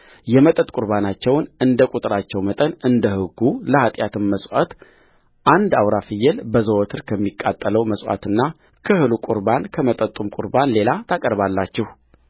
የመጠጥ ቍርባናቸውን እንደ ቍጥራቸው መጠን እንደ ሕጉለኃጢአትም መሥዋዕት አንድ አውራ ፍየል በዘወትር ከሚቃጠለው መሥዋዕትና ከእህሉ ቍርባን ከመጠጡም ቍርባን ሌላ ታቀርባላችሁ